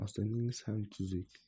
ovsiningiz ham tuzuk